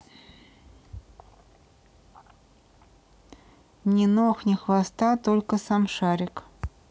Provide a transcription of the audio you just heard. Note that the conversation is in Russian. ни ног ни хвоста только сам шарик